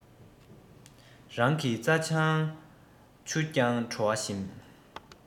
རང གི རྩ རྐྱང ཆུ རྐྱང བྲོ བ ཞིམ